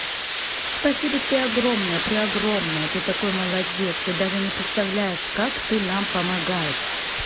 спасибо тебе огромное при огромное ты такой молодец ты даже не представляешь как ты нам помогаешь